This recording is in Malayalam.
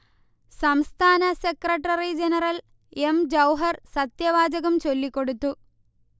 സംസ്ഥാന സെക്രട്ടറി ജനറൽ എം. ജൗഹർ സത്യവാചകം ചൊല്ലികൊടുത്തു